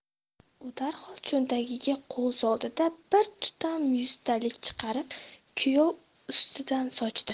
u darhol cho'ntagiga qo'l soldi da bir tutam yuztalik chiqarib kuyovi ustidan sochdi